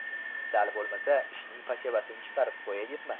sal bo'lmasa ishning iachavasini chiqarib qo'yay debman